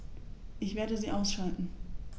Ich werde sie ausschalten